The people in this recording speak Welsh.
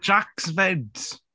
Jaques 'fyd.